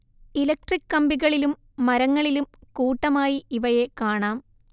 electric കമ്പികളിലും മരങ്ങളിലും കൂട്ടമായി ഇവയെ കാണാം